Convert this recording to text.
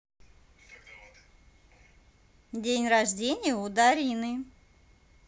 день рождения у дарины